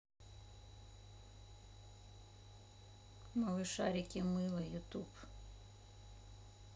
малышарики мыло ютуб